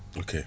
ok